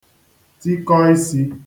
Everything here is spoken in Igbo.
tịkọ isī